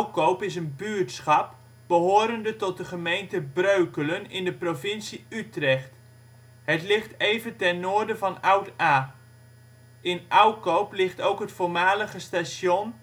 Oukoop is een buurtschap behorende tot de gemeente Breukelen in de provincie Utrecht. Het even ten noorden van Oud-Aa. In Oukoop ligt ook het voormalige station